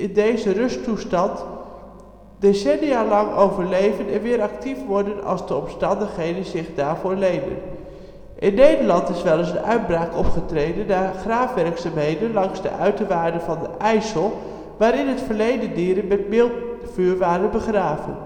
deze rusttoestand decennia lang overleven en weer actief worden als de omstandigheden zich daarvoor lenen. In Nederland is wel eens een uitbraak opgetreden na graafwerkzaamheden langs de Uiterwaarden van de IJssel waar in het verleden dieren met miltvuur waren begraven